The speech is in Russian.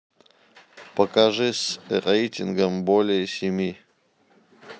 покажи с рейтингом более семи